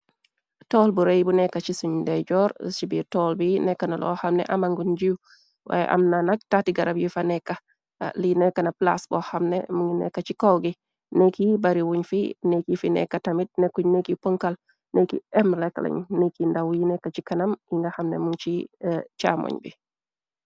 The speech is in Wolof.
Tool bu rëy bu nekka ci suñ deyjoor, ci biir tool bi nekk na loo xamne amangut njiw, waaye am na nak taati garab yi fa nekk, li nekk na palaas bo xamne mu ngi nekka ci kow gi, néek yi bari wuñ fi, neek yi fi nekka tamit nekkuñ néek yi pënkal, néek yi hem rekklañ, néek yi ndàw yi nekk ci kanam yi nga xamne mun ci càmoñ bi.